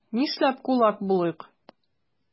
Нишләп кулак булыйк?